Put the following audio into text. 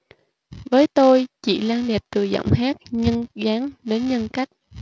với tôi chị lan đẹp từ giọng hát nhân dáng đến nhân cách